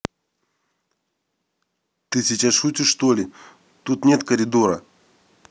ты сейчас шутишь что ли тут нет коридора